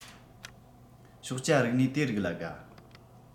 ཞོགས ཇ རིག གནས དེ རིགས ལ དགའ